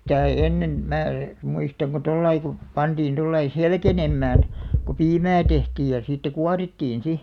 sitä ei ennen minä muistan kun tuolla lailla kun pantiin tuolla lailla selkenemään kun piimää tehtiin ja sitä kuorittiin sitten